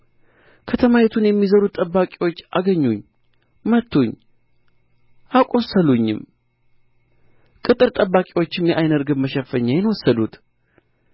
ከተማይቱን የሚዞሩት ጠባቂዎች አገኙኝ መቱኝ አቈሰሉኝም ቅጥር ጠባቂዎችም የዓይነ ርግብ መሸፈኛዬን ወሰዱት